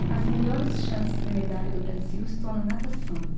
as melhores chances de medalha do brasil estão na natação